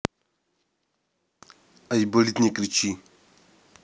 айболит не кричи